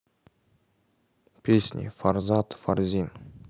песни farzad farzin